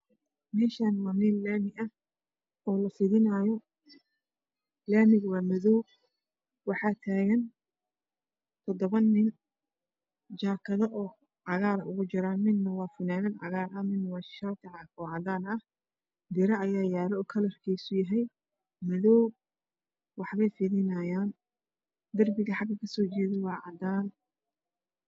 Meeshaan waa meel laami ah oo lafidinaayo. Laamiga waa madow waxaa taagan toddobo nin oo jaakado cagaara ugu jiraan. Nina fanaanad cagaar ah iyo nin shaati cadaan wato. Biro ayaa yaalo oo madow ah wax bay fidinaayaan. Darbiguna waa cadaan.